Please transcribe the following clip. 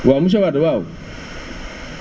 waaw monsieur Wade waaw